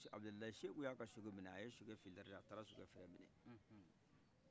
abudulaye seku ya ka sokɛ filerla aye sokɛ frɛn inɛ